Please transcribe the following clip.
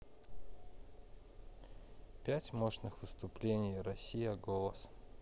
пять мощных выступлений россия голос